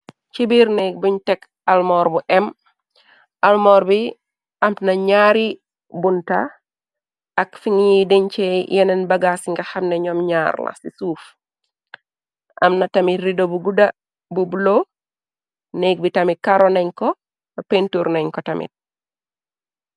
ci biir nekg buñ tekk almoor bu m almoor bi am na ñaari bunta ak fingiy diñcey yeneen bagaa ci nga xamne ñoom ñaar la ci suuf am na tamit rido bu gudda bu blo nékg bi tamit karo nañ ko b pentur nañ ko tamit